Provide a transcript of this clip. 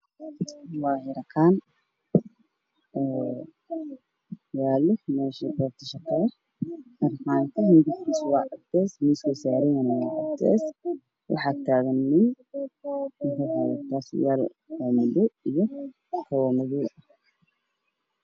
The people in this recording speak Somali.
Waa harqaan midabkiisu yahay madow miiskiisa waa qaxwi waxaa dul taagan bir cadaan dun ayaa ag yaalla fara badan midabbadooda kala yihiin guduud madow cadaan